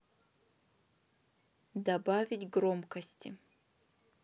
добавить громкости